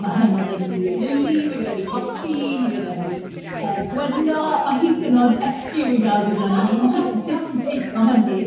Mae a mae 'da ni Lili, mae gynnon ni Popi, mae gynnon ni, yy Gwenno. Ma' hyd yn oed Elliw i gael gyda 'ni . Wi'm yn siŵr sut 'y ti'n teimlo am hynny.